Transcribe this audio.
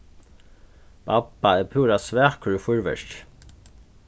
babba er púra svakur í fýrverki